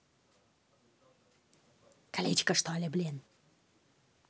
кличка что ли блин